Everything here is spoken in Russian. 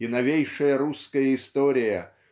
И новейшая русская история